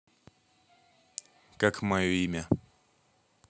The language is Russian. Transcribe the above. как мое имя